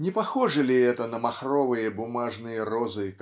не похоже ли это на махровые бумажные розы